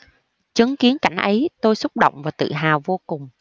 chứng kiến cảnh ấy tôi xúc động và tự hào vô cùng